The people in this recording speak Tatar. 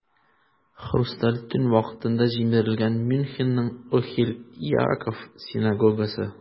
"хрусталь төн" вакытында җимерелгән мюнхенның "охель яаков" синагогасы.